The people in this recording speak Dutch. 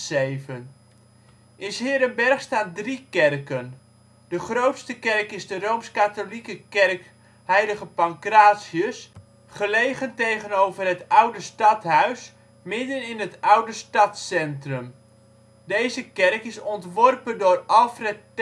In ' s-Heerenberg staan drie kerken. De grootste kerk is de R.K.-kerk H. Pancratius, gelegen tegenover het oude stadhuis, midden in het oude stadscentrum. Deze kerk is ontworpen door Alfred